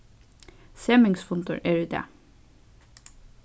semingsfundur er í dag